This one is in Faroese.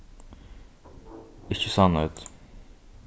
ikki sannheit